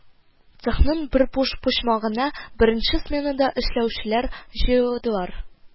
Цехның бер буш почмагына беренче сменада эшләүчеләр җыелдылар